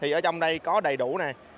thì ở trong đây có đầy đủ này